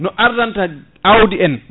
no ardanta awdi en